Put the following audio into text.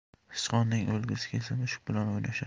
sichqonning o'lgisi kelsa mushuk bilan o'ynashar